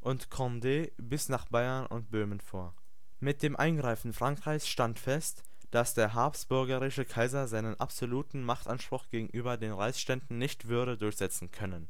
und Condé bis nach Bayern und Böhmen vor. Mit dem Eingreifen Frankreichs stand fest, dass der habsburgische Kaiser seinen absoluten Machtanspruch gegenüber den Reichsständen nicht würde durchsetzen können